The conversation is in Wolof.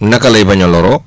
naka lay bañ a loroo